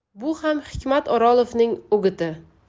bu ham hikmat o'rolovning o'giti